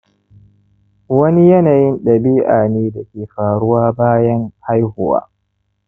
wani yanayin ɗabi'a ne dake faruwa bayana haihuwa